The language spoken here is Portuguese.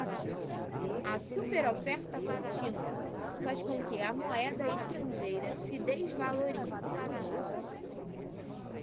a superoferta contínua faz com que a moeda estrangeira se desvalorize